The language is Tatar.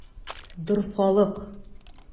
Дорфалык!